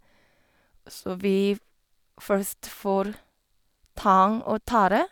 Så vi v først får tang og tare.